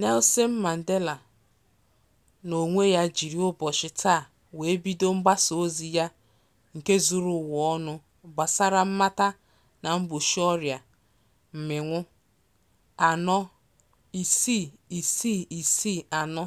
Nelson Mandela n'onwe ya jiri ụbọchị taa wee bido mgbasa ozi ya nke zuru ụwa ọnụ gbasara mmata na mgbochi ọrịa HIV/AIDS, 46664